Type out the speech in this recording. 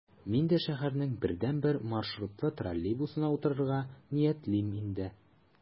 Мин дә шәһәрнең бердәнбер маршрутлы троллейбусына утырырга ниятлим инде...